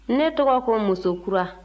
ne tɔgɔ ko musokura